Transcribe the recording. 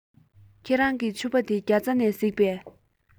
ཁྱེད རང གི ཕྱུ པ དེ རྒྱ ཚ ནས གཟིགས པས